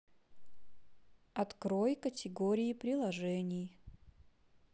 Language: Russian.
открой категории приложений